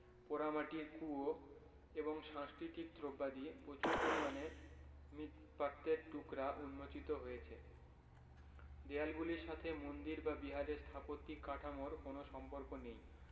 পোড়ামাটির কুয়া এবং সাংষ্কৃতিক দ্রব্যাদি প্রচুর পরিমাণ মৃৎপাত্রের টুকরা উন্মোচিত হয়েছে দেয়ালগুলির সাথে মন্দির বা বিহারের স্থাপত্যিক কাঠামোর কোন সম্পর্ক নেই